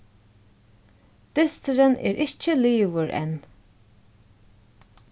dysturin er ikki liðugur enn